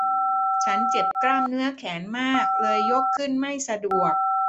ฉันเจ็บกล้ามเนื้อแขนมากเลยยกขึ้นไม่สะดวก